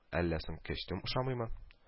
Әллә соң кәчтүм ошамыймы